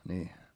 niin